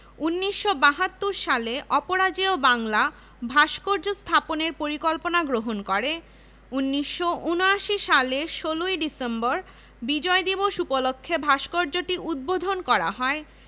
উদ্বোধন করা হয় বুদ্ধিজীবী স্মৃতিফলক এই স্থিতিফলকে ১৯ জন শিক্ষক ১০৪ জন ছাত্র ১00 জন কর্মকর্তা